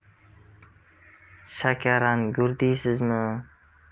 shakarangur deysizmi